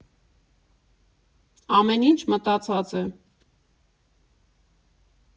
Ամեն ինչ մտածած է։